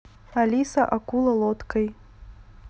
алиса акула лодкой